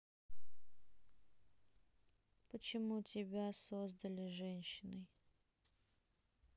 почему тебя создали женщиной